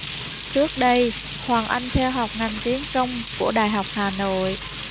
trước đây hoàng anh theo học ngành tiếng trung của đại học hà nội